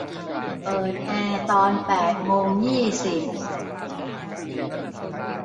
เปิดแอร์ตอนแปดโมงยี่สิบ